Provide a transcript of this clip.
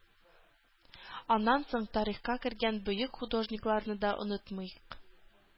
Аннан соң тарихка кергән бөек художникларны да онытмыйк.